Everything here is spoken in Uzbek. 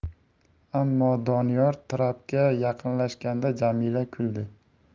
ammo doniyor trapga yaqinlashganda jamila kuldi